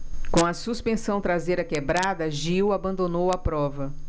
com a suspensão traseira quebrada gil abandonou a prova